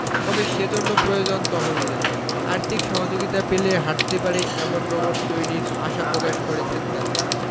তবে সেজন্য প্রয়োজন তহবিলের আর্থিক সহযোগিতা পেলে হাটতে পারে এমন রোবট তৈরির আশা প্রকাশ করেছেন তারা